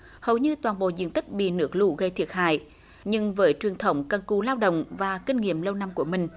hầu như toàn bộ diện tích bị nước lũ gây thiệt hại nhưng với truyền thống cần cù lao động và kinh nghiệm lâu năm của mình